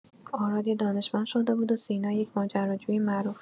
آراد یک دانشمند شده بود و سینا یک ماجراجوی معروف!